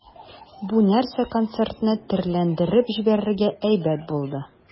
Бу нәрсә концертны төрләндереп җибәрергә әйбәт булды.